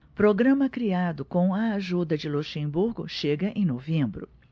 programa criado com a ajuda de luxemburgo chega em novembro